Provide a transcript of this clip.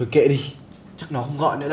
thôi kệ đi chắc nó không gọi nữa đâu